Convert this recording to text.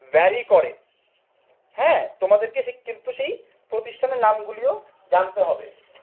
very করে তোমাদেরকে কিন্তু সেই প্রতিষ্ঠানের নাম গুলি ও জানতে হবে